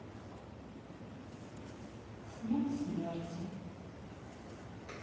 с нем смерти